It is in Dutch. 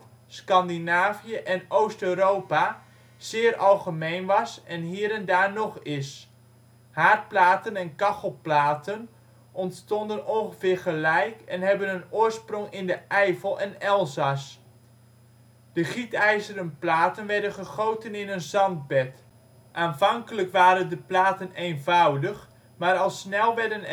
Scandinavië en Oost-Europa zeer algemeen was en hier en daar nog is. Haardplaten en kachelplaten ontstonden ongeveer gelijk en hebben hun oorsprong in de Eifel en Elzas. De gietijzeren platen werden gegoten in een zandbed. Aanvankelijk waren de platen eenvoudig, maar al snel werden